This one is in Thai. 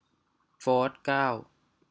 โฟธเก้า